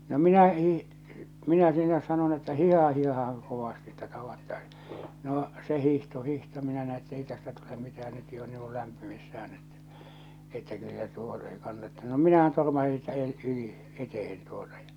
no minä - minä sinä sanon että hiihdähän hiihdähän kovasti että tavattaisiin no se hiihti hiihti minä näin että ei tästä tule mitään nyt jo on niin kuin lämpimissään että että kyllä tuo ei kannata no minähän törmäsin siitä - yli eteen tuota ja